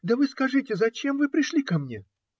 - Да вы скажите, зачем вы пришли ко мне?